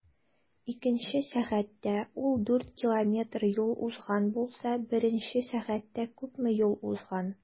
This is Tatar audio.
Икенче сәгатьтә ул 4 км юл узган булса, беренче сәгатьтә күпме юл узган?